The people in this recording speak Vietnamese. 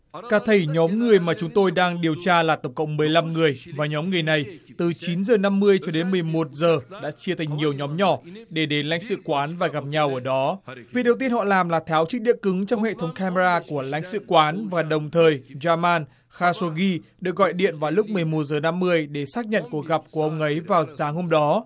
cả thảy nhóm người mà chúng tôi đang điều tra là tổng cộng mười lăm người và nhóm người này từ chín giờ năm mươi cho đến mười một giờ đã chia thành nhiều nhóm nhỏ để đến lãnh sự quán và gặp nhau ở đó việc đầu tiên họ làm là tháo chiếc đĩa cứng trong hệ thống ca mê ra của lãnh sự quán và đồng thời gia man kha sô ghi được gọi điện vào lúc mười một giờ năm mươi để xác nhận cuộc gặp của ông ấy vào sáng hôm đó